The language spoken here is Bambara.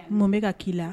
Mun bɛ ka k'i la